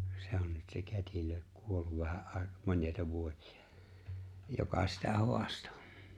se on nyt se kätilö kuollut vähän - monia vuosia joka sitä haastoi